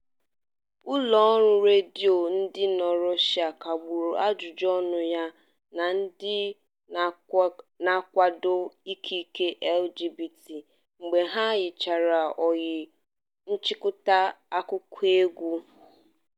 Ụlọọrụ redio dị na Russia kagburu ajụjụọnụ ya na ndị n'akwado ikike LGBT mgbe ha yichara onye nchịkọta akụkọ egwu.